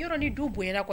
Yɔrɔ ni du bonyana kɔni